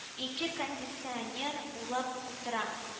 Ике кондиционер улап утыра